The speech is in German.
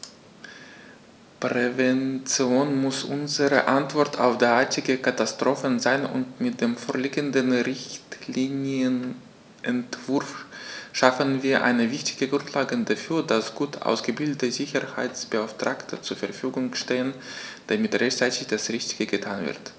Prävention muss unsere Antwort auf derartige Katastrophen sein, und mit dem vorliegenden Richtlinienentwurf schaffen wir eine wichtige Grundlage dafür, dass gut ausgebildete Sicherheitsbeauftragte zur Verfügung stehen, damit rechtzeitig das Richtige getan wird.